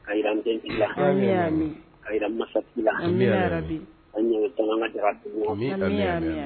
A den la a masa la an ɲa san ka jara